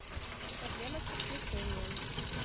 проблема с подключением